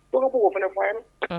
Dɔ ka bɔ k'o fana ko o fana fɔ an ye.